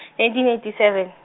nineteen eighty seven.